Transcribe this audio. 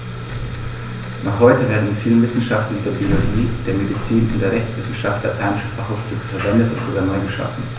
Noch heute werden in vielen Wissenschaften wie der Biologie, der Medizin und der Rechtswissenschaft lateinische Fachausdrücke verwendet und sogar neu geschaffen.